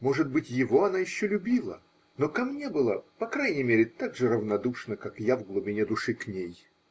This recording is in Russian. Может быть, его она еще любила, но ко мне была, по крайней мере, так же равнодушна, как я в глубине души к ней.